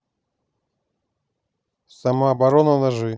самооборона ножи